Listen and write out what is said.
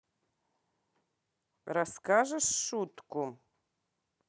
расскажешь шутку